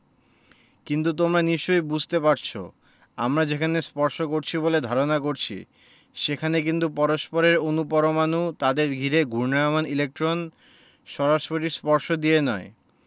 কিন্তু তোমরা নিশ্চয়ই বুঝতে পারছ আমরা যেখানে স্পর্শ করছি বলে ধারণা করছি সেখানে কিন্তু পরস্পরের অণু পরমাণু তাদের ঘিরে ঘূর্ণায়মান ইলেকট্রন সরাসরি স্পর্শ দিয়ে নয়